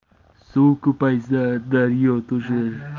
suv ko'paysa daryo toshar